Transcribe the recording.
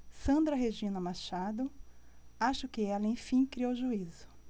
sandra regina machado acho que ela enfim criou juízo